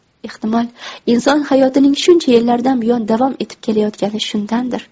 ehtimol inson hayotining shuncha yillardan buyon davom etib kelayotgani shundandir